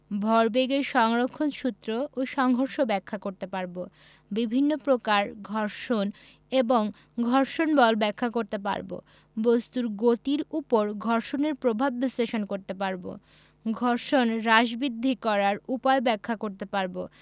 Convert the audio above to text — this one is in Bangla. ⦁ ভরবেগের সংরক্ষণ সূত্র ও সংঘর্ষ ব্যাখ্যা করতে পারব ⦁ বিভিন্ন প্রকার ঘর্ষণ এবং ঘর্ষণ বল ব্যাখ্যা করতে পারব ⦁ বস্তুর গতির উপর ঘর্ষণের প্রভাব বিশ্লেষণ করতে পারব ⦁ ঘর্ষণ হ্রাস বৃদ্ধি করার উপায় ব্যাখ্যা করতে পারব